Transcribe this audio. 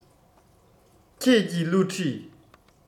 ཁྱེད ཀྱི བསླུ བྲིད